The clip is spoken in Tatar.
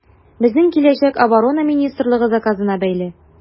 Безнең киләчәк Оборона министрлыгы заказына бәйле.